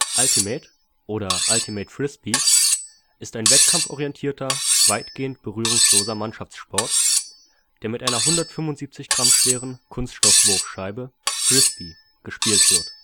Ultimate oder Ultimate Frisbee ist ein wettkampforientierter, weitgehend berührungsloser Mannschaftssport, der mit einer 175 g schweren Kunststoffwurfscheibe (Frisbee) gespielt wird